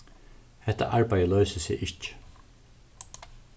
hetta arbeiðið loysir seg ikki